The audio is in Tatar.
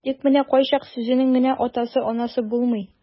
Тик менә кайчак сүзенең генә атасы-анасы булмый.